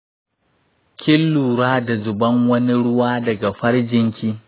kin lura da zuban wani ruwa da ga farjin ki?